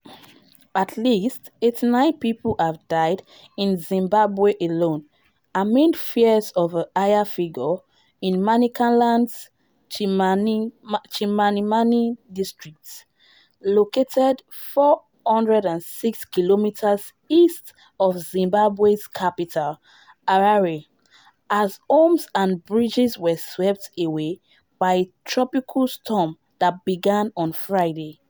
At least 89 people have died in Zimbabwe alone, amid fears of a higher figure, in Manicaland's Chimanimani district, located 406 kilometers east of Zimbabwe's capital, Harare, as homes and bridges were swept away by a tropical storm that began on Friday.